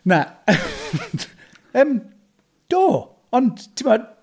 Na yym... do, ond timod....